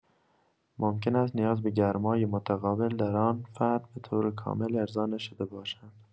ممکن است نیاز به گرمای متقابل، در آن فرد به‌طور کامل ارضا نشده باشد.